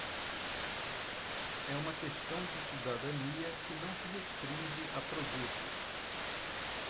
é uma questão de cidadania que não se restringe a produtos